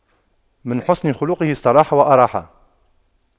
من حسن خُلُقُه استراح وأراح